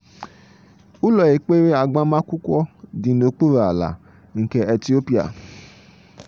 Ụlọ ekpere agbamakwụkwọ dị n'okpuru ala nke Etiopia